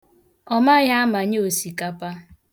Ọ maghị amanye osikapa.